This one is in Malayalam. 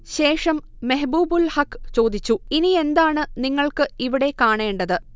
ശേഷം മെഹ്ബൂബുൽ ഹഖ് ചേദിച്ചു: ഇനിയെന്താണ് നിങ്ങൾക്ക് ഇവിടെ കാണേണ്ടത്